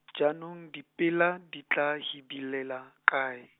jaanong dipelo, di tla hibilela, kae?